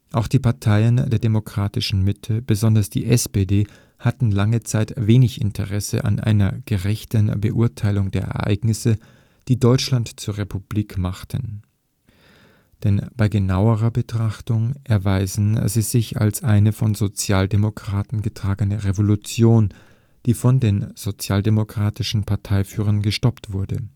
Auch die Parteien der demokratischen Mitte, besonders die SPD, hatten lange Zeit wenig Interesse an einer gerechten Beurteilung der Ereignisse, die Deutschland zur Republik machten. Denn bei genauerer Betrachtung erweisen sie sich als eine von Sozialdemokraten getragene Revolution, die von den sozialdemokratischen Parteiführern gestoppt wurde